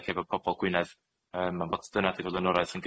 ac hefo pobol Gwynedd yym am bod dyna di'r fleunoriaeth